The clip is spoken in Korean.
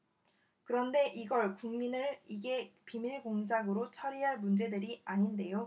그런데 이걸 국민을 이게 비밀 공작으로 처리할 문제들이 아닌데요